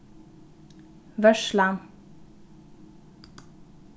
vørðslan